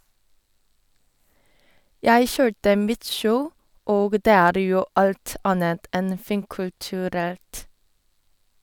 - Jeg kjørte mitt show, og det er jo alt annet enn finkulturelt.